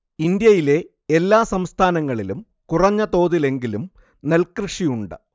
ഇന്ത്യയിലെ എല്ലാ സംസ്ഥാനങ്ങളിലും കുറഞ്ഞ തോതിലെങ്കിലും നെൽക്കൃഷിയുണ്ട്